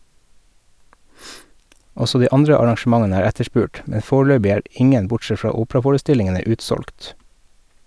Også de andre arrangementene er etterspurt, men foreløpig er ingen bortsett fra operaforestillingene utsolgt.